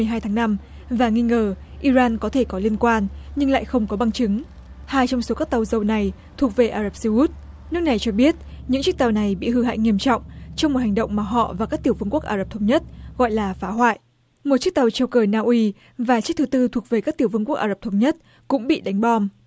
hai tháng năm và nghi ngờ i ran có thể có liên quan nhưng lại không có bằng chứng hai trong số các tàu dầu này thuộc về ả rập xê út nước này cho biết những chiếc tàu này bị hư hại nghiêm trọng trong một hành động mà họ và các tiểu vương quốc ả rập thống nhất gọi là phá hoại một chiếc tàu treo cờ na uy và chiếc thứ tư thuộc về các tiểu vương quốc ả rập thống nhất cũng bị đánh bom